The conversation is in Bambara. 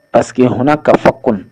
Paseke hɔnuna kafa kɔnɔ